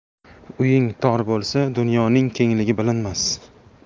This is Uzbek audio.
uying tor bo'lsa dunyoning kengligi bilinmas